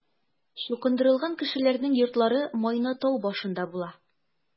Чукындырылган кешеләрнең йортлары Майна тау башында була.